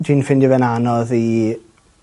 Dwi'n ffindio fe'n anodd i